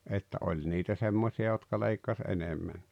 että oli niitä semmoisia jotka leikkasi enemmänkin